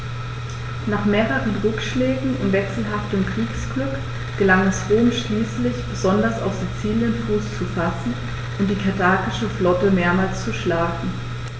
Nach mehreren Rückschlägen und wechselhaftem Kriegsglück gelang es Rom schließlich, besonders auf Sizilien Fuß zu fassen und die karthagische Flotte mehrmals zu schlagen.